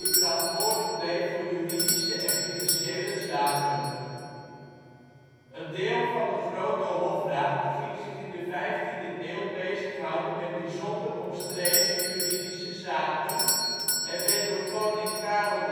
verantwoordelijk bleef voor juridische en financiële zaken. Een deel van de grote hofraad ging zich in de 15e eeuw bezighouden met bijzonder omstreden juridische zaken en werd door koning Karel